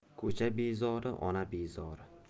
ko'cha bezori ona bezori